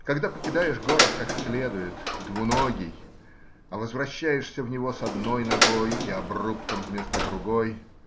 Когда покидаешь город, как следует, двуногий, а возвращаешься в него с одной ногой и обрубком вместо другой